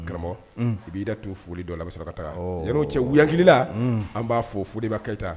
Karamɔgɔ i b'i da t to foli dɔ la a bɛ se ka taa cɛya hakilila an b'a fo fo de' keyita